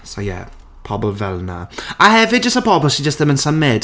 So ie. Pobl fel 'na. A hefyd jyst y pobl sy jyst ddim yn symud.